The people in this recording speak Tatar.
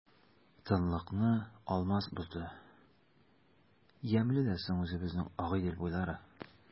Тынлыкны Алмаз бозды:— Ямьле дә соң үзебезнең Агыйдел буйлары!